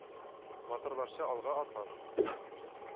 Батырларча алга атладым.